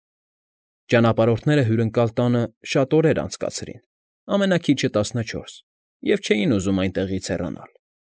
Ճանապարհորդները հյուրընկալ տանը շատ օրեր անցկացրին, ամենաքիչը տասնչորս, և չէին ուզում այստեղից հեռանալ։